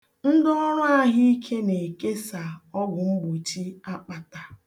Ndị ọrụ ahụike na-ekesa ọgwụmgbochi akpata.